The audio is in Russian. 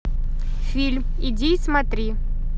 фильм иди и смотри